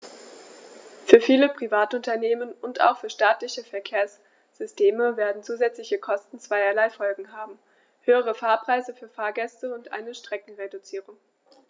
Für viele Privatunternehmen und auch für staatliche Verkehrssysteme werden zusätzliche Kosten zweierlei Folgen haben: höhere Fahrpreise für Fahrgäste und eine Streckenreduzierung.